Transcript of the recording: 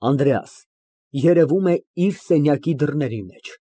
ԱՆԴՐԵԱՍ ֊ (Երևում է իր սենյակի դռների մեջ)։